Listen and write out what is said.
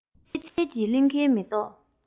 སྐྱེད ཚལ གྱི གླིང གའི མེ ཏོག